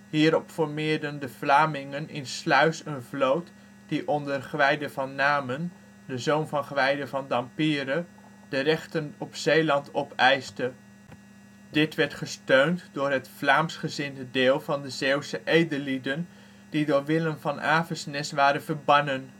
Hierop formeerden de Vlamingen in Sluis een vloot die onder Gwijde van Namen, de zoon van Gwijde van Dampierre, de rechten op Zeeland opeiste. Dit werd gesteund door het Vlaamsgezinde deel van de Zeeuwse edellieden die door Willem van Avesnes waren verbannen